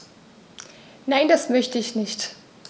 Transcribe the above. Nein, das möchte ich nicht.